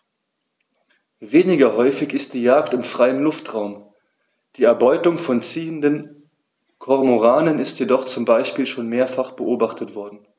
Weniger häufig ist die Jagd im freien Luftraum; die Erbeutung von ziehenden Kormoranen ist jedoch zum Beispiel schon mehrfach beobachtet worden.